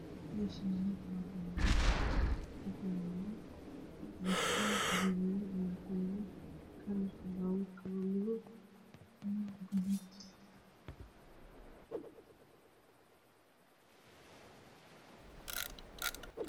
Meeshaani waa baabuur waxaa yaala mashiin gawaari ayaa ku raran kalarka baabuurka waa madow iyo gaduud